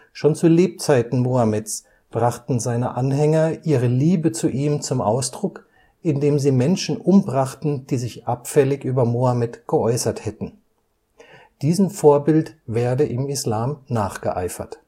Schon zu Lebzeiten Mohammeds brachten seine Anhänger ihre Liebe zu ihm zum Ausdruck, indem sie Menschen umbrachten, die sich abfällig über Mohammed geäußert hätten. Diesem Vorbild werde im Islam nachgeeifert